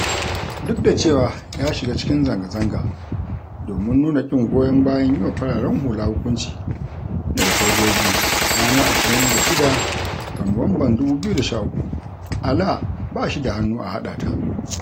Duk da cewa ya shiga cikin zanga-zanga domin nuna ƙin goyon bayan yi wa fararen hula hukunci daga sojoji ranar 26 ga Nuwamban 2013, Alaa ba shi da hannu a haɗa ta.